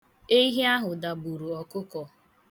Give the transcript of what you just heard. Ehi ahụ dagburu ọkụkọ.